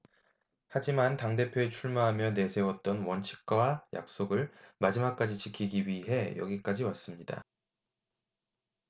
하지만 당 대표에 출마하며 내세웠던 원칙과 약속을 마지막까지 지키기 위해 여기까지 왔습니다